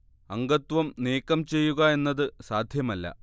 അംഗത്വം നീക്കം ചെയ്യുക എന്നത് സാധ്യമല്ല